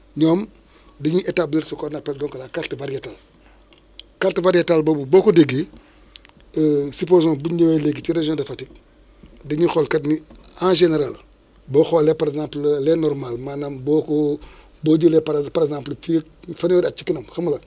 ñoom dañuy établir ce qu' on appelle donc la carte variétale carte variétale boobu boo ko déggee supposons bu ñu ñëwee léegi si région de Fatick dañuy xool kat ni en général boo xoolee par exemple les normal maanaam boo ko boo jëlee par exemple fii ak fanweeri at ci kanam xam nga